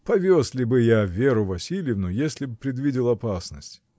Повез ли бы я Веру Васильевну, если б предвидел опасность?